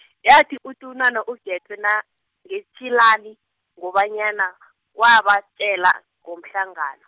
yathi utunwana uGethwe na ngetshilani, ngobanyana , khawatjele, ngomhlangano.